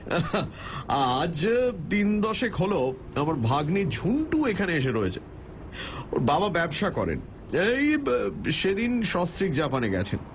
আজ দিন দশেক হল আমার ভাগনে ঝুন্টু এখানে এসে রয়েছে ওর বাবা ব্যবসা করেন এই সেদিন সস্ত্রীক জাপানে গেছেন